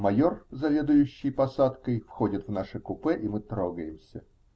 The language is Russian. Майор, заведующий посадкой, входит в наше купе, и мы трогаемся.